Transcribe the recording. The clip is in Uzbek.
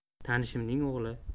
tanishimning o'g'li